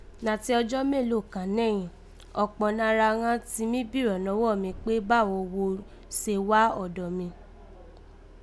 Nàti ọjọ́ mélòó kàn nẹ́yìn, ọ̀kpọ̀ nara ghan ti mí bírọ̀ nọwọ́ mi kpé, báwo wo se wá ọ̀dọ̀ mi?